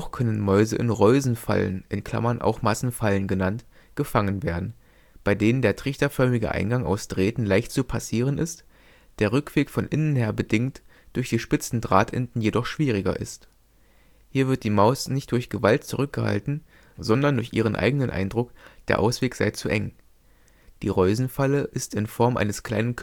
können Mäuse in Reusenfallen (auch Massenfallen genannt) gefangen werden, bei denen der trichterförmige Eingang aus Drähten leicht zu passieren ist, der Rückweg von innen her bedingt durch die spitzen Drahtenden jedoch schwieriger ist. Hier wird die Maus nicht durch Gewalt zurückgehalten, sondern durch ihren eigenen Eindruck, der Ausweg sei zu eng. Die Reusenfalle ist in Form eines kleinen